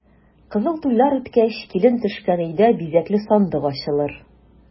Кызыл туйлар үткәч, килен төшкән өйдә бизәкле сандык ачылыр.